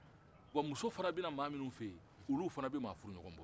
wa muso fana bɛ na mɔgɔminnu fɛ yen olu fana bɛ mɔgɔ furuɲɔgɔ bɔ